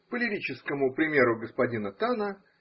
по лирическому примеру господина Тана.